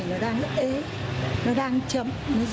đang nó đang chậm